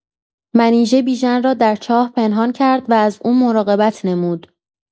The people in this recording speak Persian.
منیژه بیژن را در چاه پنهان کرد و از او مراقبت نمود.